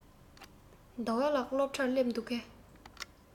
ཟླ བ ལགས སློབ གྲྭར སླེབས འདུག གས